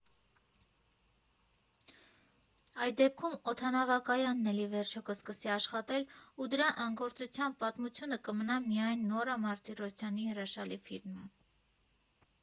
Այդ դեպքում օդակայանն էլ ի վերջո կսկսի աշխատել, ու դրա անգործության պատմությունը կմնա միայն Նորա Մարտիրոսյանի հրաշալի ֆիլմում։